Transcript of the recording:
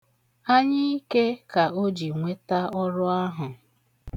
Anyiike ka o ji nweta ọrụ ahụ.